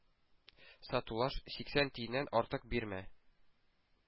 Сатулаш, сиксән тиеннән артык бирмә.